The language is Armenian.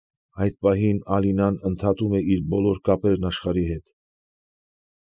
Այդ պահին Ալինան ընդհատում է իր բոլոր կապերն աշխարհի հետ։